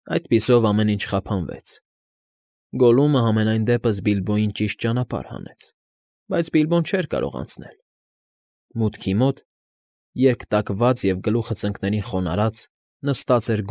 Այսպիսով ամեն ինչ խափանվեց. Գոլլումը համենայն դեպս Բիլբոյին ճիշտ ճանապարհ հանեց, բայց Բիլբոն չէր կարող անցնել… Մուտքի մոտ, երկտակված ու գլուխը ծնկներին խոնարհած, նստած էր։